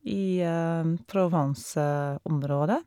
I Provenceområdet.